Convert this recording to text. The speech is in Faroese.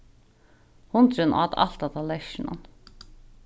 hundurin át alt á tallerkinum